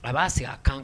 A b'a segin a kan